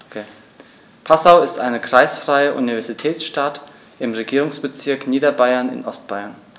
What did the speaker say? Passau ist eine kreisfreie Universitätsstadt im Regierungsbezirk Niederbayern in Ostbayern.